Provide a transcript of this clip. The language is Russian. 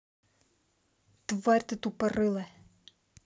тварь ты тупорылая